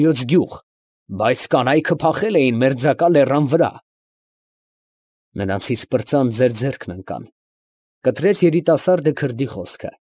Հայոց գյուղ, բայց կանայքը փախել էին մերձակա լեռան վրա… ֊ Նրանցից պրծան, ձեր ձեռքը ընկան… ֊ կտրեց երիտասարդը քրդի խոսքը։